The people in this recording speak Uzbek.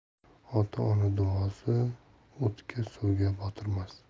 ota ona duosi o'tga suvga botirmas